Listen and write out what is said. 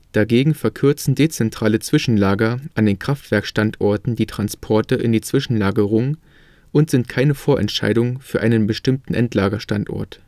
Dagegen verkürzen dezentrale Zwischenlager an den Kraftwerksstandorten die Transporte in die Zwischenlagerung und sind keine Vorentscheidung für einen bestimmten Endlager-Standort